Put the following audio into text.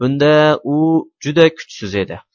bunda u juda kuchsiz edi